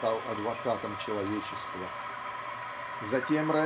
стал адвокатом человечества? Затем